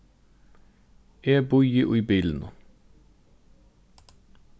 eg bíði í bilinum